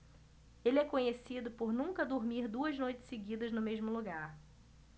ele é conhecido por nunca dormir duas noites seguidas no mesmo lugar